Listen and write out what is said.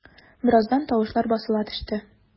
Бераздан тавышлар басыла төште.